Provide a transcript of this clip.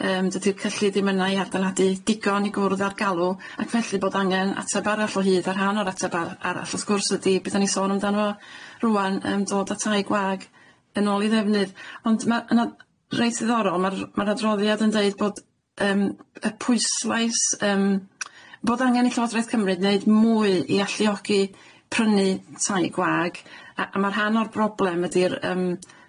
Yym dydi'r cyllid 'im yna i adiladu digon i gwrdd a'r galw ac felly bod angen ateb arall o hyd a rhan o'r ateb arall wrth gwrs ydi be 'dan ni sôn amdano fo rŵan yym dod a tai gwag yn ôl i ddefnydd ond ma' yna reit diddorol ma'r ma'r adroddiad yn deud bod yym y pwyslais yym bod angen i llywodraeth Cymru neud mwy i alluogi prynu tai gwag a a ma' rhan o'r broblem ydi'r yym